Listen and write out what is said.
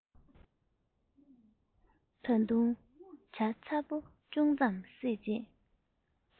ད དུང ཇ ཚ པོ ཅུང ཙམ བསྲེས རྗེས